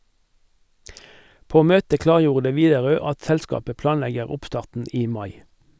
På møtet klargjorde Widerøe at selskapet planlegger oppstarten i mai.